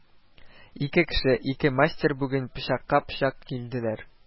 Ике кеше, ике мастер бүген пычакка-пычак килделәр: